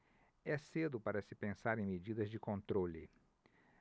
é cedo para se pensar em medidas de controle